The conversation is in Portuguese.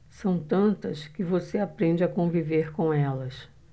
são tantas que você aprende a conviver com elas